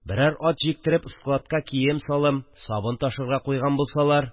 Берәр ат җиктереп складка кием-салым, сабын ташырга куйган булсалар